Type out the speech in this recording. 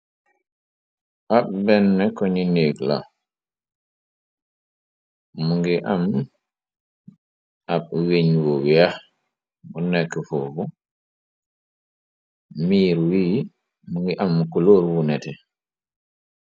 Ab benn koni nigla mu ngi am ab wiñ wu weex bu nekk foobu miir wii mu ngi am kuloor wu nete.